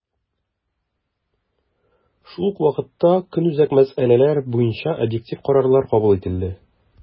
Шул ук вакытта, көнүзәк мәсьәләләр буенча объектив карарлар кабул ителде.